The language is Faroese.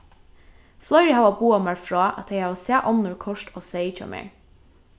fleiri hava boðað mær frá at tey hava sæð onnur koyrt á seyð hjá mær